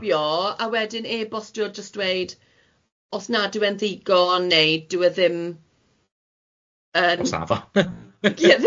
stopio a wedyn e-bostio jyst dweud, os nad yw e'n ddigon, neu dyw e ddim yn... O safon?